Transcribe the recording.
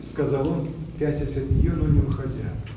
— сказал он, пятясь от нее, но не уходя.